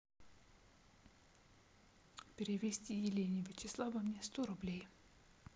перевести елене вячеславовне сто рублей